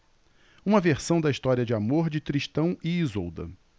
uma versão da história de amor de tristão e isolda